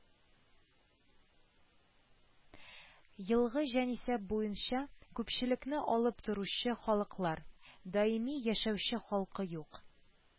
Елгы җанисәп буенча күпчелекне алып торучы халыклар: даими яшәүче халкы юк